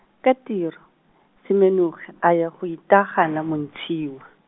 ka tiro, Semenogi, a ya go itaagana Montshiwa.